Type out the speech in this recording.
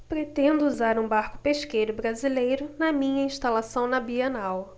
pretendo usar um barco pesqueiro brasileiro na minha instalação na bienal